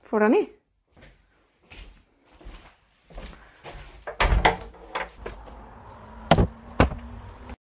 Ffwr' a ni.